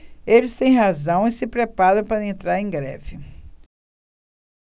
eles têm razão e se preparam para entrar em greve